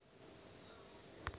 покажи фильм кролик джоджо